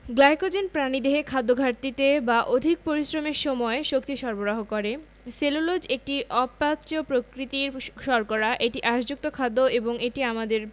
glycogen প্রাণীদেহে খাদ্যঘাটতিতে বা অধিক পরিশ্রমের সময় শক্তি সরবরাহ করে সেলুলোজ একটি অপাচ্য প্রকৃতির শর্করা এটি আঁশযুক্ত খাদ্য এবং এটি আমাদের